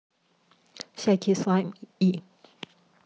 всякие слаймы и